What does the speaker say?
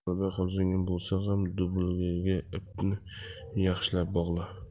g'alaba qozongan bo'lsang ham dubulg'a ipini yaxshilab bog'la